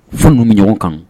Fo n numu ɲɔgɔn kan